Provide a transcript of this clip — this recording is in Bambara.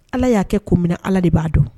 Ala y'a kɛ kun minna Ala de b'a dɔn